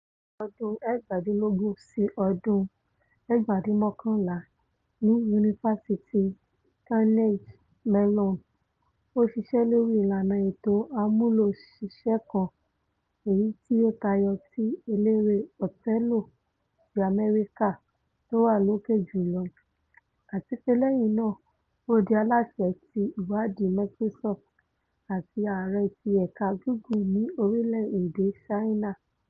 Ní àwọn ọdún 1980 sí 1989 ní Yunifásítì Carnegie Mellon ó ṣiṣẹ́ lórí ìlànà ètò àmúlòṣiṣẹ́ kan èyití ó tayọ ti elére Othelo ti Amẹ́ríkà tówà lókè jùlọ, àtipé lẹ́yìn náà ó di aláṣẹ ti Ìwáàdí Microsoft àti ààrẹ ti ẹ̀ka Google ní orílẹ̀-èdè Ṣáínà.